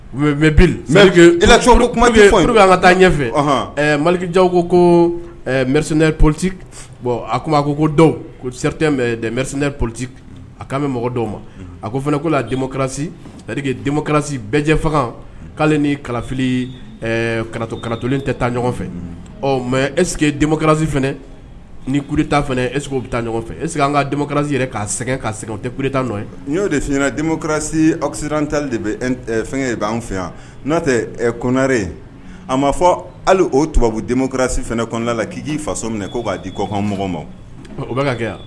Mɛ i kuma bɛ bɛ an ka taa ɲɛfɛ maliki ja ko ko mrire politi bɔn a ma ko ko dɔwritere poli a kan bɛ mɔgɔ dɔw ma a ko f ko denmusokasi denmusosi bɛɛjɛfan k'ale ni kalafili karata karatatɔlen tɛ taa ɲɔgɔn fɛ ɔ mɛ essekeke denmusokasi nita e bɛ taa ɲɔgɔn fɛ ese an kakasi yɛrɛ ka sɛgɛn ka segin tɛta nɔ ye n y'o defininɛ denmusokasi awse tali de bɛ fɛn bɛ an fɛ yan n'a tɛ kɔnɛre ye a ma fɔ hali o tubabubu denkasi fana kɔnla la k'i'i fa minɛ k ko b'a di kɔkan mɔgɔ ma o bɛka ka kɛ yan